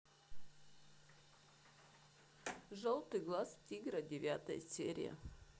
желтый глаз тигра девятая серия